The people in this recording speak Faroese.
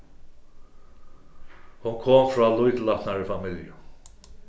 hon kom frá lítillátnari familju